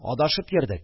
Адашып йөрдек